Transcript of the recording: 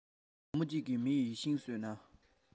ཁྱི ལས ལོད པའི མི དེ ཡ ཡང ང